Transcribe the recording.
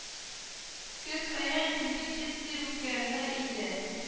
Көн саен репетиция үткәрелә иде